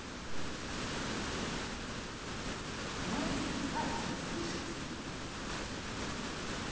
молодец рад тебя слышите